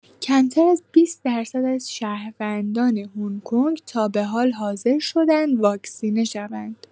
کمتر از ۲۰ درصد از شهروندان هنگ‌کنگ تا به حال حاضر شده‌اند واکسینه شوند.